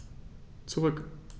Zurück.